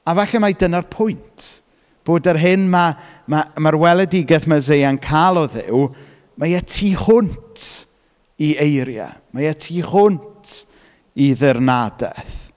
A falle mai dyna'r pwynt, bod yr hyn ma', ma', ma’r weledigaeth mae Eseia'n cael o Dduw, mae e tu hwnt i eiriau. Mae e tu hwnt i ddirnadaeth.